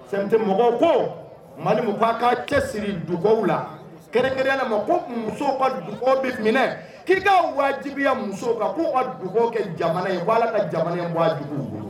C N T mɔgɔw ko Muhalimu ka ka cɛsiri dugawu la. kɛrɛnkɛrɛnnen ya ma ko musow ka dugawu bɛ minɛ. Ki ka wajibiya musow kan ku ka dugawu kɛ jamana ko Ala ka jamana in bɔ a jugé bolo.